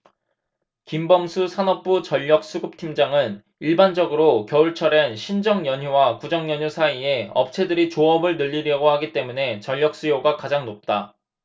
김범수 산업부 전력수급팀장은 일반적으로 겨울철엔 신정연휴와 구정연휴 사이에 업체들이 조업을 늘리려고 하기 때문에 전력수요가 가장 높다